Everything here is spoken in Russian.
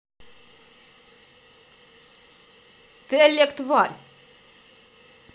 ты олег тварь